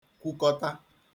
kwukọta